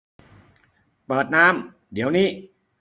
เปิดน้ำเดี๋ยวนี้